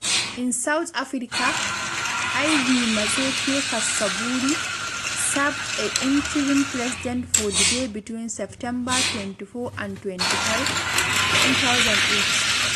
In South Africa, Ivy Matsepe-Cassaburi, served as interim president for the day between September 24 and 25, 2008.